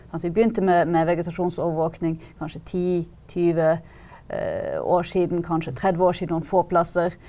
vi begynte med med vegetasjonsovervåkning kanskje ti 20 år siden kanskje 30 år siden noen få plasser.